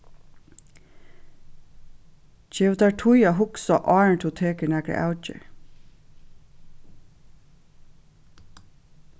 gev tær tíð at hugsa áðrenn tú tekur nakra avgerð